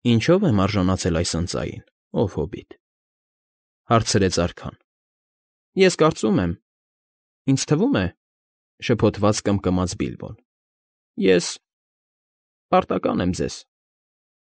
Ինչո՞վ եմ արժանացել այս ընծային, ով հոբիտ,֊ հարցրեց արքան։ ֊ Ը֊ը֊ը՛, ես կարծում եմ… ինձ թվում է… շփոթված կմկմաց Բիլբոն,֊ ես… ը֊ը֊ը՛… պարտական եմ ձեզ, ը՜մ֊մ֊մ…